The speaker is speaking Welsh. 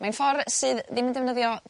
mae'n ffor sydd ddim yn defnyddio